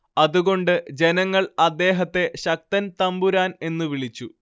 അത് കൊണ്ട് ജനങ്ങൾ അദ്ദേഹത്തെ ശക്തൻ തമ്പുരാൻ എന്നു വിളിച്ചു